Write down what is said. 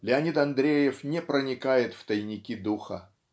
Леонид Андреев не проникает в тайники духа.